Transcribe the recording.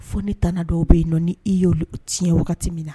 Fo ni t dɔw bɛ yen nɔ ni i y' tiɲɛ wagati min na